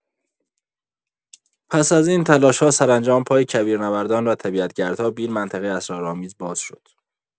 پس از این تلاش‌ها سرانجام پای کویرنوردان و طبیعت گردها به این منطقه اسرارآمیز باز شد.